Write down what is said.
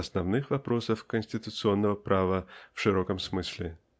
основных вопросов конституционного права в широком смысле.